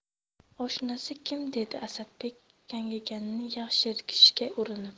oshnasi kim dedi asadbek gangiganini yashirishga urinib